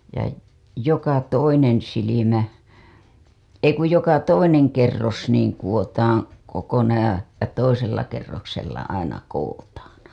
ja joka toinen silmä ei kun joka toinen kerros niin kudotaan kokonaan ja ja toisella kerroksella aina kudotaan